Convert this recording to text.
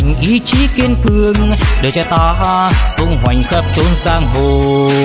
đời trai ta tung hoành khắp chốn giang hồ